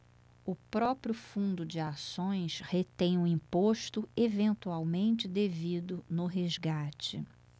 o próprio fundo de ações retém o imposto eventualmente devido no resgate